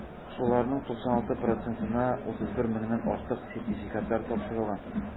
Шуларның 96 процентына (31 меңнән артык) сертификатлар тапшырылган.